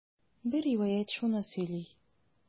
Бер риваять шуны сөйли.